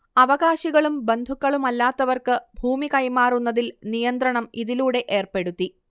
അവകാശികളും ബന്ധുക്കളുമല്ലാത്തവർക്ക് ഭൂമി കൈമാറുന്നതിൽ നിയന്ത്രണം ഇതിലൂടെ ഏർപ്പെടുത്തി